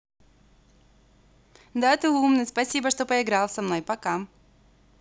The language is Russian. да ты умный спасибо что поиграл со мной пока